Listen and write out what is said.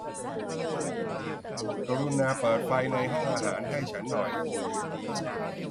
กรุณาเปิดไฟในห้องอาหารให้ฉันหน่อย